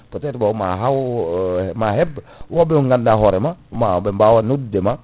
peut être bon ma haw ma heddo wobɓe mo gandanɗa hoorema ɓe bawa noddudema